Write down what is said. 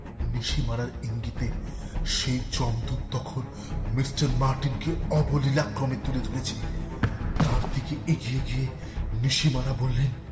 নিশিমারার আর ইংগিতের সেই যমদূত তখন মিস্টার মার্টিনকে অবলীলাক্রমে তুলে ধরেছে তার দিকে এগিয়ে গিয়ে নিশি মারা বললেন